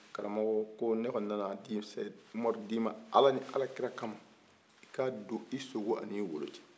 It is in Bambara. karamɔgɔ ne kɔni nana sɛkumari di ma ala ni ala kira kama i ka don i sogo ani wolo ɲɛ